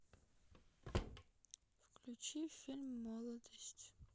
включи фильм молодость